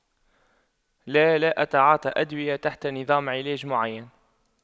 لا لا أتعاطى أدوية تحت نظام علاج معين